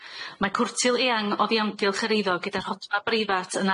Mae cwrtyl eang oddi amgylch yr eiddo gyda rhodfa breifat yn